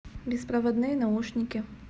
беспроводные наушники